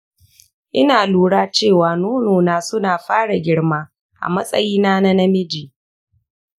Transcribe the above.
ina lura cewa nonona suna fara girma a matsayina na namiji.